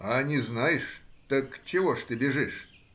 — А не знаешь, так чего же ты бежишь?